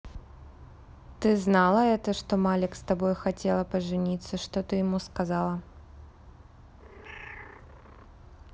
ты знала это что малик с тобой хотела пожениться что ты ему сказала